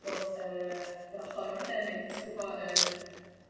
bod yy yr ochor academic ti' gwbo yn